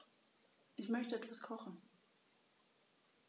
Ich möchte etwas kochen.